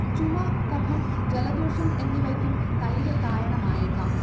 ചുമ, കഫം, ജലദോഷം എന്നിവയ്ക്കും തൈര് കാരണമായേക്കാം